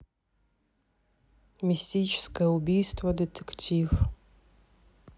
мистическое убийство детектив